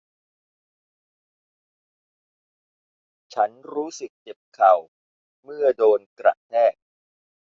ฉันรู้สึกเจ็บเข่าเมื่อโดนกระแทก